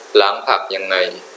ล้างผักยังไง